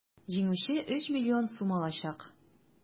Җиңүче 3 млн сум алачак.